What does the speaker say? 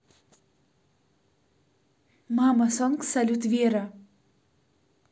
мама songs салют вера